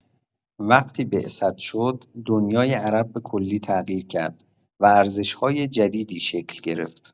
وقتی بعثت شد، دنیای عرب به کلی تغییر کرد و ارزش‌های جدیدی شکل گرفت.